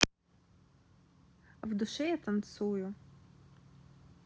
а в душе я танцую